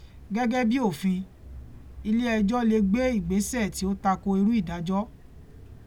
Gẹ́gẹ́ bí òfin, ilé ẹjọ́ lé gbé ìgbésẹ̀ tí ó tako irúu ìdájọ́